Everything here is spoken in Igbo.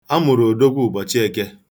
A mụrụ Odogwu ụbọchị Eke.